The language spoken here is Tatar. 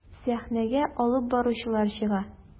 Сәхнәгә алып баручылар чыга.